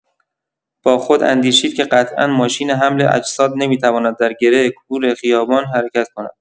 با خود اندیشید که قطعا ماشین حمل اجساد نمی‌تواند در گره کور خیابان حرکت کند.